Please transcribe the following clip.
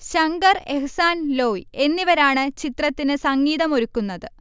ശങ്കർ എഹ്സാൻ ലോയ് എന്നിവരാണ് ചിത്രത്തിന് സംഗീതമൊരുക്കുന്നത്